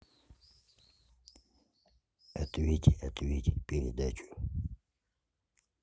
ответь ответь передачу